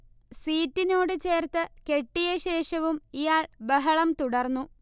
സീറ്റിനോട് ചേർത്ത് കെട്ടിയ ശേഷവും ഇയാൾ ബഹളം തുടർന്നു